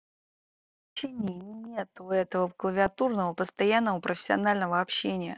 в нашем общении нету этого клавиатурного постоянного профессионального общения